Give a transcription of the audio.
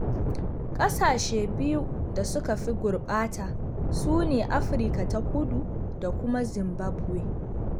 Ƙasashe biyu da suka fi gurɓata su ne Afirka ta Kudu da kuma Zimbabwe.